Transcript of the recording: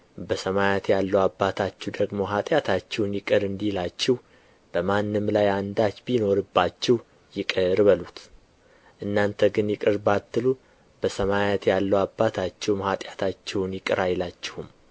በሰማያት ያለው አባታችሁ ደግሞ ኃጢአታችሁን ይቅር እንዲላችሁ በማንም ላይ አንዳች ቢኖርባችሁ ይቅር በሉት እናንተ ግን ይቅር ባትሉ በሰማያት ያለው አባታችሁም ኃጢአታችሁን ይቅር አይላችሁም